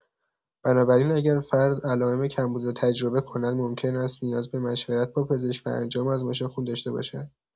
بنابراین اگر فرد علائم کمبود را تجربه کند، ممکن است نیاز به مشورت با پزشک و انجام آزمایش خون داشته باشد.